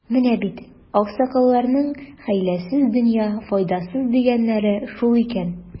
Менә бит, аксакалларның, хәйләсез — дөнья файдасыз, дигәннәре шул икән.